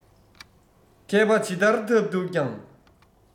མཁས པ ཇི ལྟར ཐབས རྡུགས ཀྱང